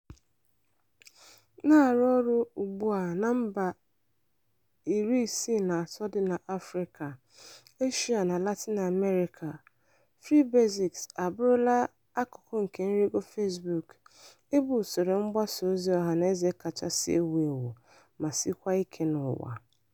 Na-arụ ọrụ ugbua na mba 63 dị n'Afrịka, Asia na Latin America, Free Basics abụrụla akụkụ nke nrịgo Facebook ịbụ usoro mgbasaozi ọhanaeze kachasị ewu ewu ma sikwaa ike n'ụwa.